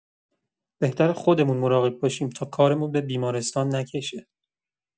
بهتره خودمون مراقب باشیم تا کارمون به بیمارستان نکشه.